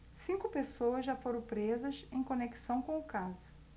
cinco pessoas já foram presas em conexão com o caso